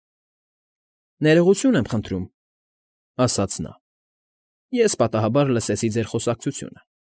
Ներողություն եմ խնդրում, ֊ ասաց նա, ֊ ես պատահաբար լսեցի ձեր խոսակցությունը։